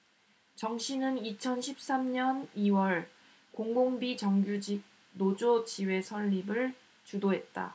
정씨는 이천 십 삼 년 이 월 공공비정규직 노조 지회 설립을 주도했다